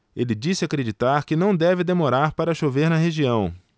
ele disse acreditar que não deve demorar para chover na região